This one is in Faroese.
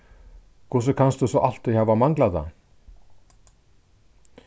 hvussu kanst tú so altíð hava manglað tað